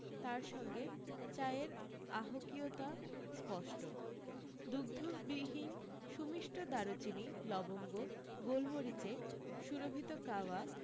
তার সঙ্গে চায়ের আহণ্কীয়তা স্পষ্ট দুগ্ধবিহীন সুমিষ্ট দারচিনি লবঙ্গ গোলমরিচে সুরভিত কাওয়া